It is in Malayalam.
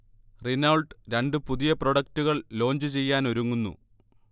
റിനൗൾട്ട് രണ്ട് പുതിയ പ്രൊഡക്ടുകൾ ലോഞ്ച് ചെയ്യാനൊരുങ്ങുന്നു